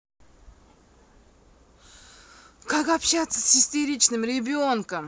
как общаться с истеричным ребенком